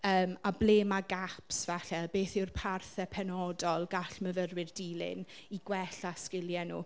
Yym a ble ma' gaps falle. Beth yw'r parthau penodol gall myfyrwyr dilyn i gwella sgiliau nhw?